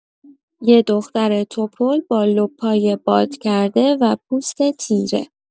یه دختر تپل با لپای باد کرده و پوست تیره